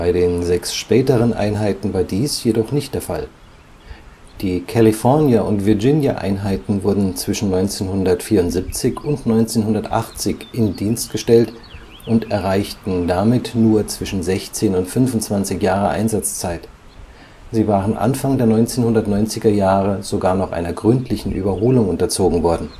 den sechs späteren Einheiten war dies jedoch nicht der Fall. Die California - und Virginia-Einheiten wurden zwischen 1974 und 1980 in Dienst gestellt und erreichten damit nur zwischen 16 und 25 Jahre Einsatzzeit. Sie waren Anfang der 1990er Jahre sogar noch einer gründlichen Überholung unterzogen worden